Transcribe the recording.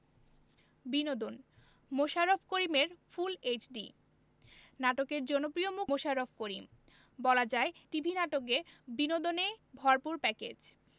বিনোদন মোশাররফ করিমের full HD নাটকের জনপ্রিয় মুখ মোশাররফ করিম বলা যায় টিভি নাটকে বিনোদনে ভরপুর প্যাকেজ